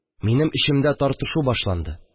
Минем эчемдә тартышу башланды